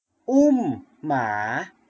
อุ้มหมา